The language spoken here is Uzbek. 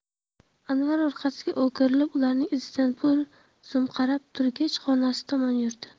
anvar orqasiga o'girilib ularning izidan bir zum qarab turgach xonasi tomon yurdi